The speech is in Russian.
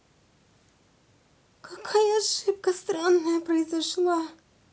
какая ошибка странная произошла